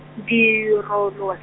dirorolwa-.